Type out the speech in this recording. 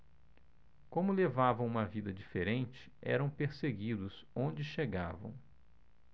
como levavam uma vida diferente eram perseguidos onde chegavam